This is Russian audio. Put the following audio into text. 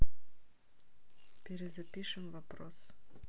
перезапишем вопрос